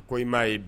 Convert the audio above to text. A ko i m'a ye